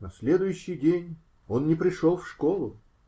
На следующий день он не пришел в школу.